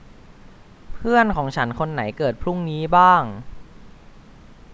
เพื่อนของฉันคนไหนเกิดพรุ่งนี้บ้าง